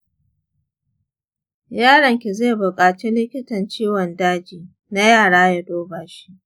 yaron ki zai buƙaci likitan ciwon daji na yara ya duba shi.